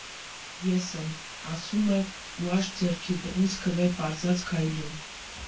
Ես եմ՝ ասում է ու, աջ ձեռքի բռունցքը վեր պարզած՝ քայլում։